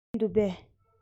འབྲས འདུག གས